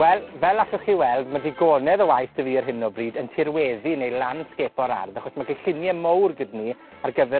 Wel, fel allwch chi weld, ma' digonedd o waith 'dy fi ar hyn o bryd yn tirweddu neu landsgêpo'r ardd, achos ma' gyllunie mowr gyda ni ar gyfer